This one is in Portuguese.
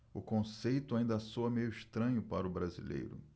o conceito ainda soa meio estranho para o brasileiro